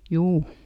juu